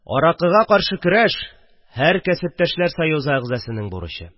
Аракыга каршы көрәш – һәр кәсептәшләр союзы агзасының бурычы